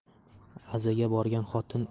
azaga borgan xotin